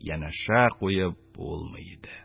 Янәшә куеп булмый иде.